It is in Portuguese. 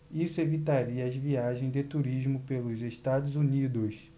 isso evitaria as viagens de turismo pelos estados unidos